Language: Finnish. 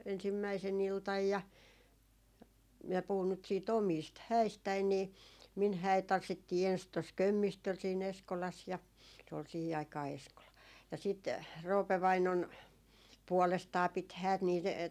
ensimmäisenä iltana ja minä puhun nyt sitten omista häistäni niin minun häitä tanssittiin ensin tuossa Kömmistöllä siinä Eskolassa ja se oli siihen aikaan Eskola ja sitten Roope vainaani puolestaan piti häät niitä